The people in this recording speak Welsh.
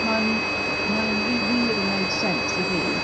Mae'n mae'n rhi- wir yn wneud sens i fi.